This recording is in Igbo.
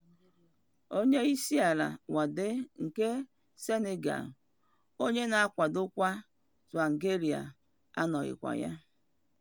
Onyeisiala Wade nke Senegal, onye na akwadokwa Tsvangirai anọghịkwa ya.